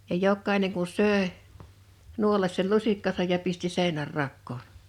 ja jokainen kun söi nuolaisi sen lusikkansa ja pisti - seinänrakoon